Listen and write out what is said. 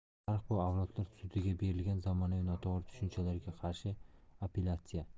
tarix bu avlodlar sudiga berilgan zamonaviy noto'g'ri tushunchalarga qarshi apellyatsiya